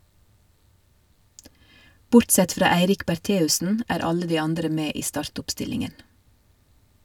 - Bortsett fra Eirik Bertheussen er alle de andre med i startoppstillingen.